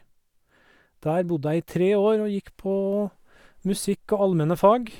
Der bodde jeg i tre år og gikk på musikk og allmenne fag.